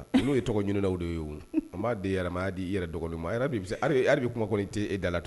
Olu ye tɔgɔ ɲini de ye b'a di yɛrɛya di' i yɛrɛ dɔgɔnin ma bɛ kuma kɔni tɛ e da la